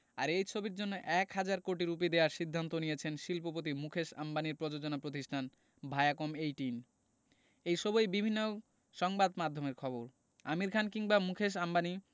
আর এই ছবির জন্য এক হাজার কোটি রুপি দেয়ার সিদ্ধান্ত নিয়েছে শিল্পপতি মুকেশ আম্বানির প্রযোজনা প্রতিষ্ঠান ভায়াকম এইটিন এই সবই বিভিন্ন সংবাদমাধ্যমের খবর আমির খান কিংবা মুকেশ আম্বানি